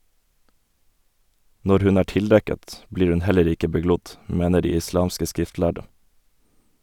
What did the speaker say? Når hun er tildekket, blir hun heller ikke beglodd , mener de islamske skriftlærde.